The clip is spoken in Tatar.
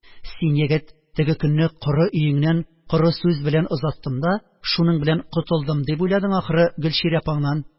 – син, егет, теге көнне коры өеңнән коры сүз белән озаттым да шуның белән котылдым дип уйладың, ахры, гөлчирә апаңнан.